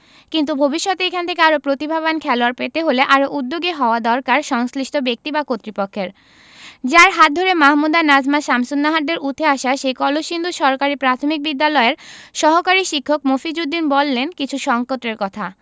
কিন্তু ভবিষ্যতে এখান থেকে আরও প্রতিভাবান খেলোয়াড় পেতে হলে আরও উদ্যোগী হওয়া দরকার সংশ্লিষ্ট ব্যক্তি বা কর্তৃপক্ষের যাঁর হাত ধরে মাহমুদা নাজমা শামসুন্নাহারদের উঠে আসা সেই কলসিন্দুর সরকারি প্রাথমিক বিদ্যালয়ের সহকারী শিক্ষক মফিজ উদ্দিন বললেন কিছু সংকটের কথা